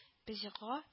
Без йокыга